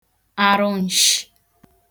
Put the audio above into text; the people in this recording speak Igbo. arụǹshị